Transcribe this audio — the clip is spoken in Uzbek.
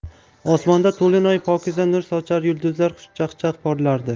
osmonda to'lin oy pokiza nur sochar yulduzlar xushchaqchaq porlardi